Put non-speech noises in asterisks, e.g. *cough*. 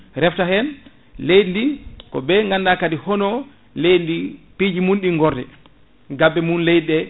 refta hen leydi ndi *smacks lips* ko ɓe ganɗa kadi hono leydi ndi piji mu ɗe gorde gabbe mum leydi ɗe